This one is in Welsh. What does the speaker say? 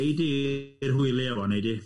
Neu di i'r hwyli efo, neu di.